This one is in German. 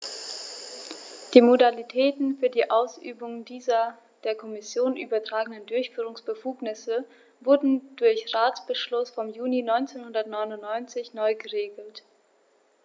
Die Modalitäten für die Ausübung dieser der Kommission übertragenen Durchführungsbefugnisse wurden durch Ratsbeschluss vom Juni 1999 neu geregelt.